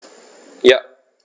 Ja.